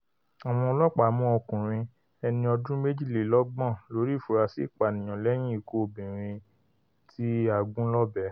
Àwọn ọlọ́ọ̀pá mú ọkùnrin, ẹni ọdùn méjìlélọ́gbọ̀n, lórí ìfurasí ìpànìyàn lẹ́yín ikú obìnrin tí a gún lọ́bẹ